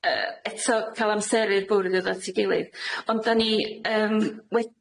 yy, eto ca'l amseru'r bwrdd i ddod at 'i gilydd. Ond 'dan ni yym wed-